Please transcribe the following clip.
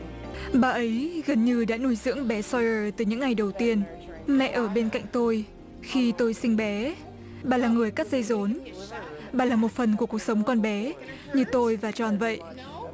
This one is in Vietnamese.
bà ấy gần như đã nuôi dưỡng bé soi ơ từ những ngày đầu tiên mẹ ở bên cạnh tôi khi tôi sinh bé bà là người cắt dây rốn bà là một phần của cuộc sống con bé như tôi và gion vậy